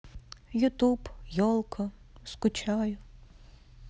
ютуб елка скучаю